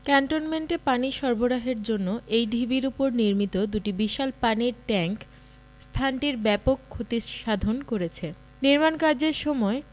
ক্যান্টনমেন্টে পানি সরবরাহের জন্য এই ঢিবির উপর নির্মিত দুটি বিশাল পানির ট্যাংক স্থানটির ব্যাপক ক্ষতিসাধন করেছে নির্মাণ কাজের সময়